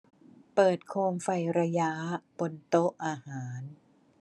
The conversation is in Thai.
เปิดโคมไฟระย้าบนโต๊ะอาหาร